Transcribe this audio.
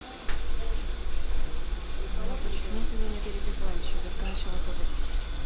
ну почему ты меня перебиваешь я только начала говорить